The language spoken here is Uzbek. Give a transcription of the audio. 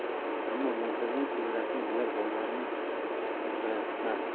ammo mehrning chegarasini bilar bolalarini erkalatmasdi